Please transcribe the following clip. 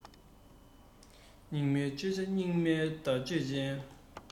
སྙིགས མའི བརྗོད བྱ སྙིགས མའི ལྟ སྤྱོད ཅན